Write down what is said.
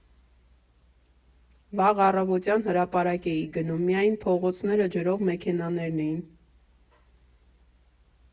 Վաղ առավոտյան Հրապարակ էի գնում, միայն փողոցները ջրող մեքենաներն էին։